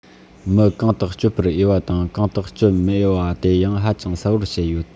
མི གང དག སྤྱོད པར འོས པ དང གང དག སྤྱོད མི འོས པ དེ ཡང ཧ ཅང གསལ པོར བཤད ཡོད